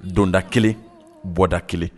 Donda 1, bɔda 1.